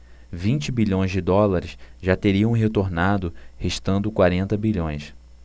vinte bilhões de dólares já teriam retornado restando quarenta bilhões